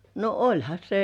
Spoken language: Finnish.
no olihan se